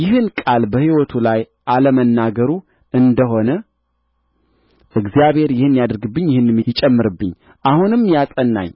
ይህን ቃል በሕይወቱ ላይ አለመናገሩ እንደ ሆነ እግዚአብሔር ይህን ያድርግብኝ ይህንም ይጨምርብኝ አሁንም ያጸናኝ